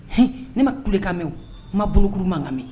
H ne ma kule kami n ma bolokokuru ma ka mɛn